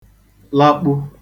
lakpu